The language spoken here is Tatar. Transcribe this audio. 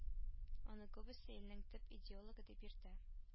Аны күбесе илнең төп идеологы дип йөртә